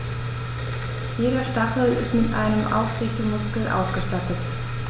Jeder Stachel ist mit einem Aufrichtemuskel ausgestattet.